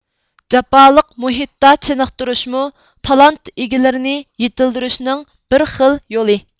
جاپالىق مۇھىتتا چېنىقتۇرۇشمۇ تالانت ئىگىلىرىنى يېتىلدۈرۈشىنىڭ بىر خىل يولى